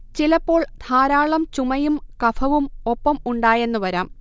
ചിലപ്പോൾ ധാരാളം ചുമയും കഫവും ഒപ്പം ഉണ്ടായെന്ന് വരാം